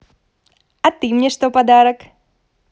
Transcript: а ты мне что подарок